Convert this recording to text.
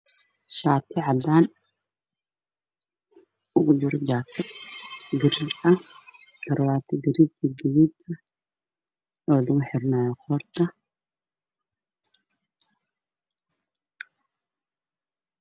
Shaati cadaan ku jiro jaakad buluug ah